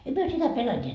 emme me sitä pelänneet